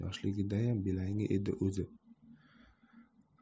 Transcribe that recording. yoshligidayam belangi edi o'zi